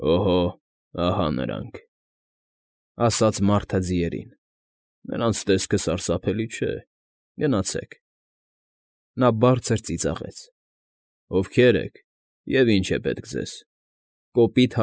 Օհո՜, ահա նրանք,֊ ասաց մարդը ձիերին։֊ Նրանց տեսքը սարսափելի չէ, գնացեք…֊ նա բաբրձր ծիծաղոց։֊ Ովքե՞ր եք և ինչ է պետք ձոզ,֊ կոպիտ։